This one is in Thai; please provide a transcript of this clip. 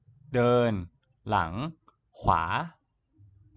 เดินหลังขวา